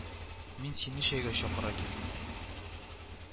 Мин сине чәйгә чакыра килдем